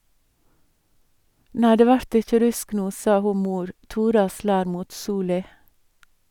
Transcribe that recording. Nei, det vert ikkje rusk no, sa ho mor, tora slær mot soli.